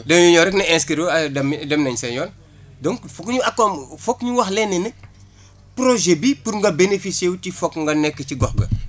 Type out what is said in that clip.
dañuy ñëw rek ñu insrire dem nañ seen yoon donc foog ñu accom foog ñu wax lenn ne projet bi pour nga bénéficier si foog nga nekk ci gox ga